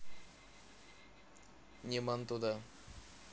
niman туда